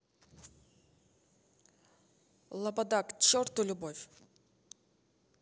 loboda к черту любовь